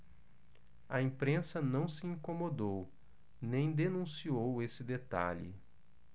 a imprensa não se incomodou nem denunciou esse detalhe